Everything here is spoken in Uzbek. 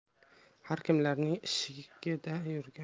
har kimlarning eshigida yurgan